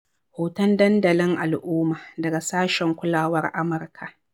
Hoton dandalin al'umma daga sashen kulawar Amurka.